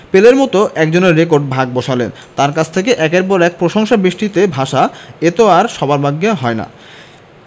পেলের মতো একজনের রেকর্ডে ভাগ বসানো তাঁর কাছ থেকে একের পর এক প্রশংসাবৃষ্টিতে ভাসা এ তো আর সবার ভাগ্যে হয় না